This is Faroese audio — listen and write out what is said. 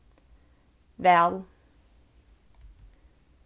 væl